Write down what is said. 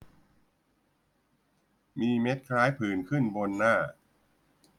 มีเม็ดคล้ายผื่นขึ้นบนหน้า